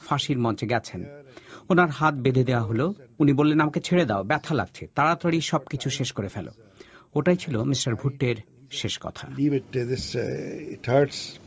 ফাঁসির মঞ্চে গেছেন ওনার হাত বেঁধে দেয়া হল উনি বললেন আমাকে ছেড়ে দাও ব্যাথা লাগছে তাড়াতাড়ি সবকিছু শেষ করে ফেলো ওটাই ছিল মিস্টার ভুট্টোর শেষ কথা ইট হার্টস